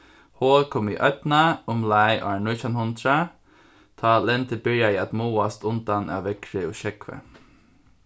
hol kom í oynna umleið ár nítjan hundrað tá lendið byrjaði at máast undan av veðri og sjógvi